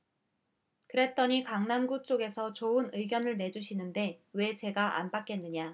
그랬더니 강남구 쪽에서 좋은 의견을 내주시는데 왜 제가 안 받겠느냐